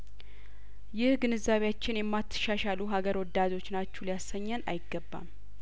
ይህ ግንዛቤያችን የማት ሻሻሉ ሀገር ወዳዶችና ችሁ ሊያሰኘን አይገባም